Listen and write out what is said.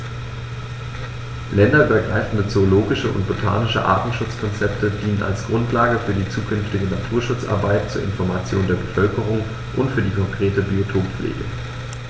Länderübergreifende zoologische und botanische Artenschutzkonzepte dienen als Grundlage für die zukünftige Naturschutzarbeit, zur Information der Bevölkerung und für die konkrete Biotoppflege.